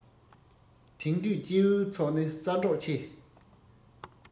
དེང དུས སྐྱེ བོའི ཚོགས ནི གསར འགྲོགས ཆེ